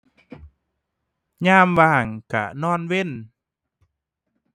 ยามว่างก็นอนก็